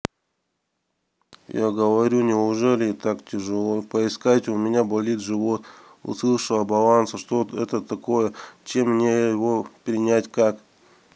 я говорю неужели так тяжело поискать у меня болит живот услышала баланса что это такое чем мне его принять как